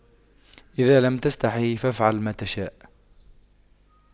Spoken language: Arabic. اذا لم تستحي فأفعل ما تشاء